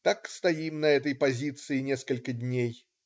Так стоим на этой позиции несколько дней.